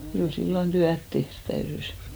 kyllä silloin työtä tehdä täytyi